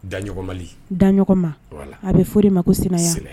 Da dama a bɛ fɔ de ma ko seya